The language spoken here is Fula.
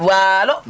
waalo